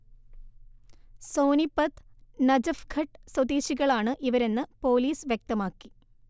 സോനിപത്ത്, നജഫ്ഘട്ട് സ്വദേശികളാണ് ഇവരെന്ന് പോലീസ് വ്യക്തമാക്കി